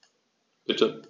Bitte.